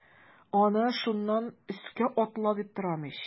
Аны шуннан өскә атыла дип торам ич.